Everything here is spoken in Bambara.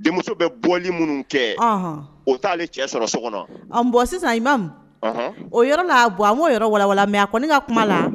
Denmuso bɛ minnu bɔn sisan o yɔrɔa bɔ a' yɔrɔ wawa mɛ a ko ne ka kuma la